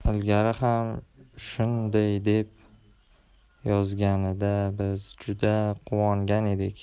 ilgari ham shunday deb yozganida biz juda quvongan edik